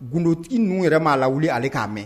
Gundo i n ninnu yɛrɛ b'a la wuli ale k'a mɛn